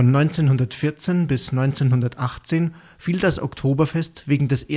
1914 bis 1918 fiel das Oktoberfest wegen des